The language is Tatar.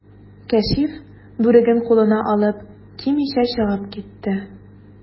Кәшиф, бүреген кулына алып, кимичә чыгып китте.